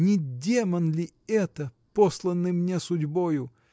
Не демон ли это, посланный мне судьбою?